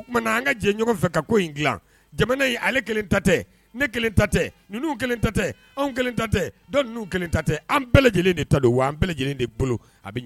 O an tatɛ ne tatɛ ninnu kelen tatɛ anw tatɛ dɔn kelen tatɛ an bɛɛ lajɛlen de ta don wa an bɛɛ lajɛlen de bolo